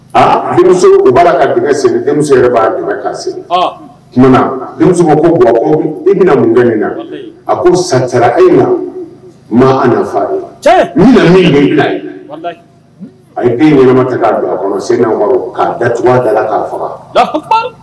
Aa denmuso o' ka d sen denmuso yɛrɛ b'a dɛmɛ k'a segin kumana denmuso ko i bɛna mun dɛmɛ min na a ko san taara e na maa fa ye n na min b'i bila a den yɛlɛmama tɛ k'a bila a kɔnɔ sen kɔrɔ k'a daugu da k'a faga